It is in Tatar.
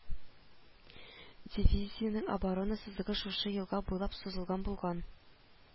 Дивизиянең оборона сызыгы шушы елга буйлап сузылган булган